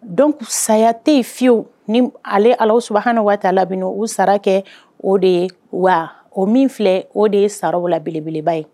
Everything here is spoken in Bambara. Dɔn saya tɛ yen fiyewu ni ale alas waati la u sara kɛ o de ye wa o min filɛ o de ye sarala belebeleba ye